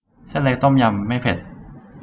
เส้นเล็กต้มยำไม่เผ็ด